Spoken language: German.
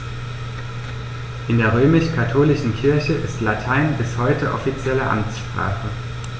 In der römisch-katholischen Kirche ist Latein bis heute offizielle Amtssprache.